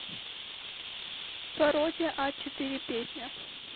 пародия а четыре песня